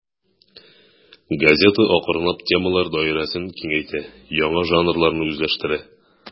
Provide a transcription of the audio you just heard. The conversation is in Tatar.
Газета акрынлап темалар даирәсен киңәйтә, яңа жанрларны үзләштерә.